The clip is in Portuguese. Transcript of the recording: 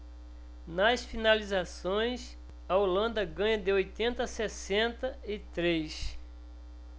nas finalizações a holanda ganha de oitenta a sessenta e três